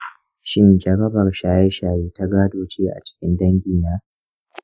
shin jarabar shaye-shaye ta gado ce a cikin dangina?